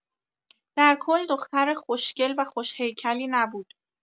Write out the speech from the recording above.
در کل دختر خوشگل و خوش هیکلی نبود.